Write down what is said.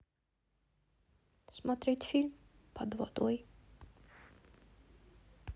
смотреть фильм под водой